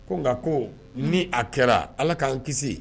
Ko nka ko ni a kɛra ala k'an kisi